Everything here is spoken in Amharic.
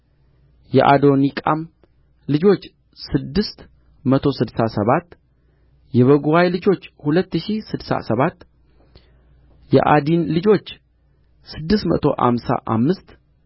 የአዶኒቃም ልጆች ስድስት መቶ ስድሳ ሰባት የበጉዋይ ልጆች ሁለት ሺህ ስድሳ ሰባት የዓዲን ልጆች ስድስት መቶ አምሳ አምስት